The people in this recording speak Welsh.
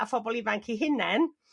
a phobol ifanc i hunen